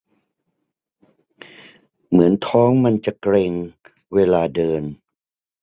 เหมือนท้องมันจะเกร็งเวลาเดิน